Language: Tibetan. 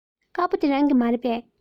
དཀར པོ འདི རང གི མ རེད པས